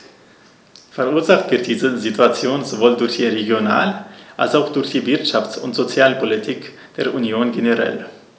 Verursacht wird diese Situation sowohl durch die Regional- als auch durch die Wirtschafts- und Sozialpolitik der Union generell.